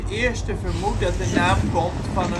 eerste vermoedt dat de naam komt van